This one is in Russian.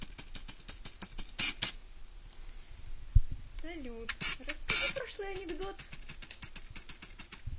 салют расскажи пошлый анекдот